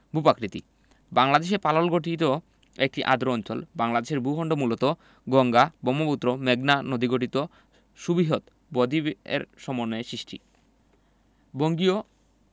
ভূ প্রকৃতিঃ বাংলদেশে পালল গঠিত একটি আর্দ্র অঞ্চল বাংলাদেশের ভূখন্ড মূলত গঙ্গা ব্রহ্মপুত্র মেঘনা নদীগঠিত সুবৃহৎ বদ্বীপের সমন্বয়ে সৃষ্টি বঙ্গীয়